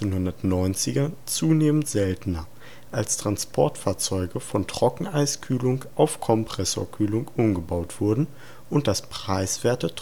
1990ern zunehmend seltener, als Transportfahrzeuge von Trockeneiskühlung auf Kompressorkühlung umgebaut wurden und das preiswerte